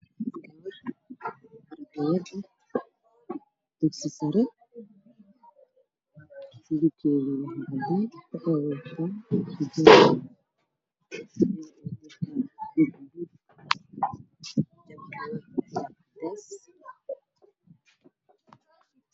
Gabar ardayad eh dugsi sare waxa ay wada taa ji jin